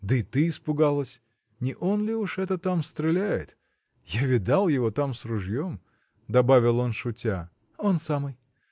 Да и ты испугалась: не он ли уж это там стреляет?. Я видал его там с ружьем. — добавил он шутя. — Он самый!